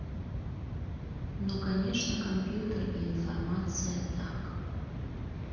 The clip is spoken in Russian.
ну конечно компьютер и информация так